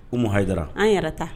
U mahajara an yɛrɛ ta